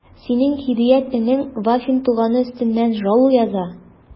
Синең Һидият энең Вафин туганы өстеннән жалу яза...